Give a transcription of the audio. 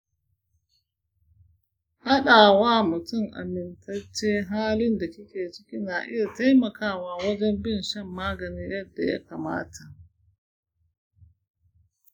faɗa wa mutum amintacce halin da kike ciki na iya taimakawa wajen bin shan magani yadda ya kamata.